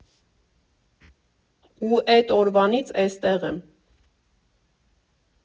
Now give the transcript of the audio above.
Ու էտ օրվանից էստեղ եմ։